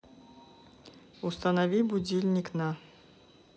установи будильник на